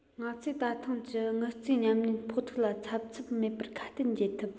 ང ཚོས ད ཐེངས ཀྱི དངུལ རྩའི ཉམས ཉེན གྱི ཕོག ཐུག ལ འཚབ འཚུབ མེད པར ཁ གཏད འཇལ ཐུབ